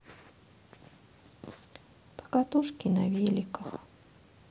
покатушки на великах